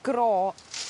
gro